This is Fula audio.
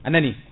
anani